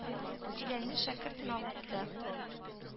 Җиләнле шәкерт мавыкты.